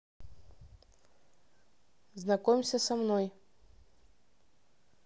знакомься со мной